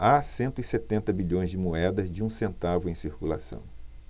há cento e setenta bilhões de moedas de um centavo em circulação